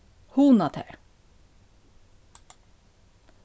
hugna tær